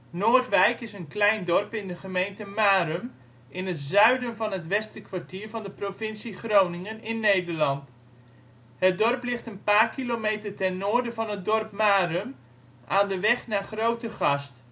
Noordwiek) is een klein dorp in de gemeente Marum, in het zuiden van het Westerkwartier van de provincie Groningen (Nederland). Het dorp ligt een paar kilometer ten noorden van het dorp Marum, aan de weg naar Grootegast